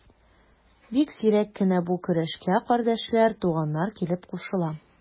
Бик сирәк кенә бу көрәшкә кардәшләр, туганнар килеп кушыла.